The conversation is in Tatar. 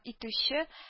Итүче